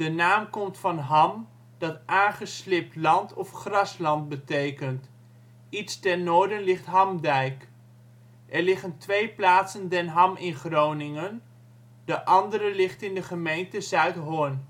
naam komt van Ham, dat aangeslibd land of grasland betekent. Iets ten noorden ligt Hamdijk. Er liggen twee plaatsen Den Ham in Groningen, de andere ligt in de gemeente Zuidhorn